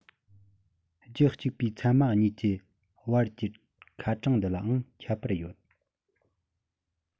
རྒྱུད གཅིག པའི མཚན མ གཉིས ཀྱི བར གྱི ཁ གྲངས འདི ལའང ཁྱད པར ཡོད